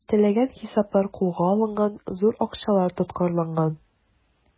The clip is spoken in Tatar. Дистәләгән хисаплар кулга алынган, зур акчалар тоткарланган.